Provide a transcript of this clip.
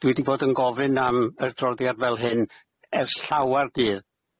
Dwi 'di bod yn gofyn am adroddiad fel hyn ers llawar dydd.